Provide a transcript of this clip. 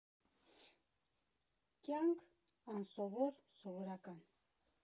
Կյանք՝ անսովոր սովորական։